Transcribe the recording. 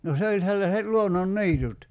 no se oli sellaiset luonnonniityt